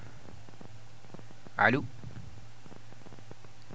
allo